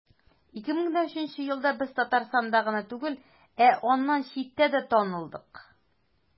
2003 елда без татарстанда гына түгел, ә аннан читтә дә танылдык.